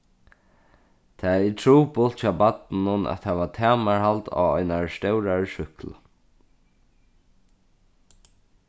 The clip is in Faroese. tað er trupult hjá barninum at hava tamarhald á einari stórari súkklu